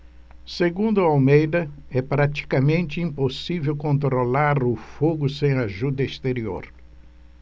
segundo almeida é praticamente impossível controlar o fogo sem ajuda exterior